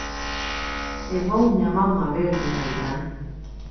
eg vóni at mamma verður har í dag